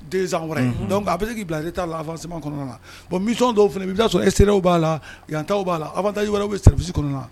Den wɛrɛ a bɛ se k'i bila t'a la afa se kɔnɔna bon misi dɔw fana b'i' sɔrɔ e sew b'a la yan t ta'a la bɛji wɛrɛ bɛsi kɔnɔna na